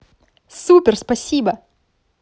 супер спасибо